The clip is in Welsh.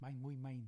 Mae'n, mwy main.